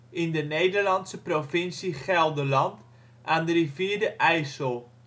in de Nederlandse provincie Gelderland, aan de rivier de IJssel